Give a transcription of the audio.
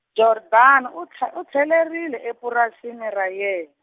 Jordaan u tlh- tlhelerile epurasini ra yena.